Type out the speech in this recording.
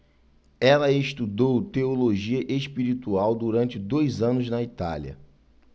ela estudou teologia espiritual durante dois anos na itália